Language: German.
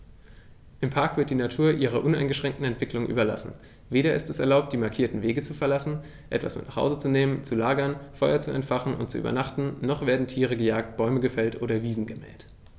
Im Park wird die Natur ihrer uneingeschränkten Entwicklung überlassen; weder ist es erlaubt, die markierten Wege zu verlassen, etwas mit nach Hause zu nehmen, zu lagern, Feuer zu entfachen und zu übernachten, noch werden Tiere gejagt, Bäume gefällt oder Wiesen gemäht.